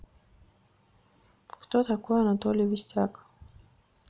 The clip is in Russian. кто такой анатолий вистяк